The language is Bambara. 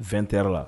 Fɛn tɛyɔrɔ la